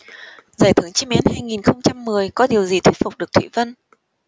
giải thưởng chim én hai nghìn không trăm mười có điều gì thuyết phục được thụy vân